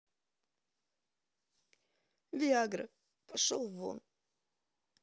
виа гра пошел вон